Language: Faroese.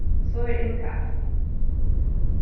so er innkast